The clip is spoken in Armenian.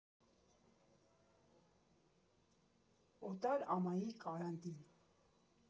Օտար ամայի կարանտին։